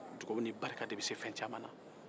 dugawu ni barika de bɛ se fɛn caman na